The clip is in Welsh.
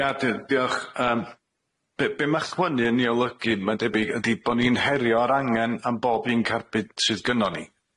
Ia di- diolch yym be' be' ma'ch clynu yn 'i olygu ma'n debyg ydi bo' ni'n herio ar angen, am bob un carbyd sydd gynnon ni.